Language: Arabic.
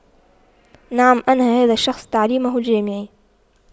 نعم أنهى هذا الشخص تعليمه الجامعي